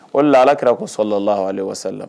O de la alakira sɔla lahu aleyihi wa salama